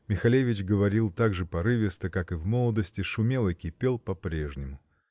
Михалевич говорил так же порывисто, как и в молодости, шумел и кипел по-прежнему.